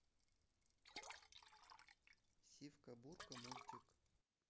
сивка бурка мультик